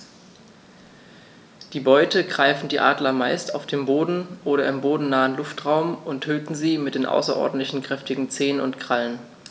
Die Beute greifen die Adler meist auf dem Boden oder im bodennahen Luftraum und töten sie mit den außerordentlich kräftigen Zehen und Krallen.